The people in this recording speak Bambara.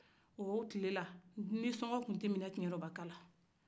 o tilela nisɔngɔn tun tɛ minɛ kiɲɛrɔbaka la